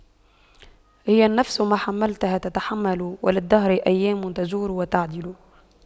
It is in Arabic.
هي النفس ما حَمَّلْتَها تتحمل وللدهر أيام تجور وتَعْدِلُ